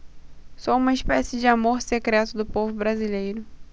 sou uma espécie de amor secreto do povo brasileiro